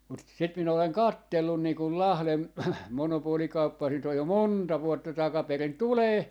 mutta sitä minä olen katsellut niin kuin Lahden monopolikauppaa siitä on jo monta vuotta takaperin tulee